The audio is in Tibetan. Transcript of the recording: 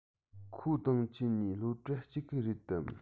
ཁོ དང ཁྱོད གཉིས སློབ གྲྭ གཅིག གི རེད དམ